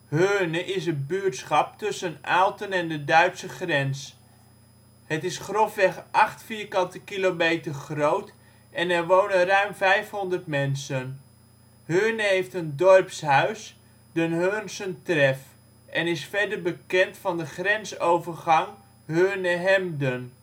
Heurne is een buurtschap tussen Aalten en de Duitse grens. Het is grofweg 8 km2 groot en er wonen ruim 500 mensen. Heurne heeft een dorpshuis, " D 'n Heurnsen Tref " en is verder bekend van de grensovergang Heurne-Hemden